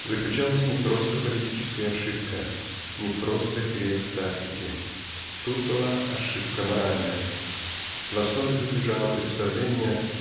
заключалась не просто политическая ошибка не просто грех тактики. Тут была ошибка моральная. В основе тут лежало представление